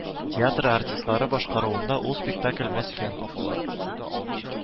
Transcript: Театры артистлары башкаруында ул спектакль мәскәү